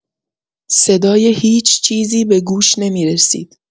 صدای هیچ‌چیزی به گوش نمی‌رسید.